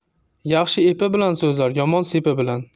yaxshi epi bilan so'zlar yomon sepi bilan